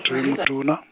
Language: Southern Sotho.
tho e motona.